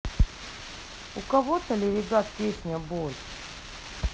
у кого то ли ребят песня боль